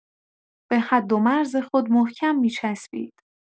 به حدومرز خود محکم می‌چسبید.